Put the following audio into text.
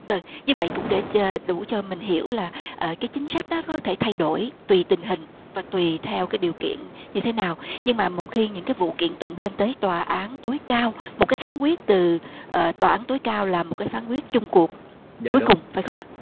vâng như vậy cũng để đủ cho mình hiểu là ờ cái chính sách đó có thể thay đổi tùy tình hình và tùy theo cái điều kiện như thế nào nhưng mà một khi những vụ kiện tụng lên tới tòa án tối cao một cái phán quyết từ ờ tòa án tối cao là một phán quyết chung cuộc cuối cùng phải không ạ